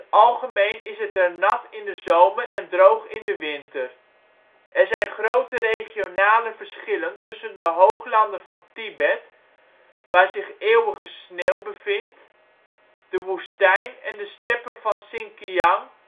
algemeen is het er nat in de zomer en droog in de winter. Er zijn grote regionale verschillen tussen de hooglanden van Tibet waar zich eeuwige sneeuw (E-klimaat) bevindt, de woestijn en de steppen van Sinkiang